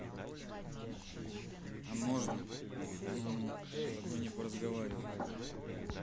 а можно ну ну с тобой не поразговаривать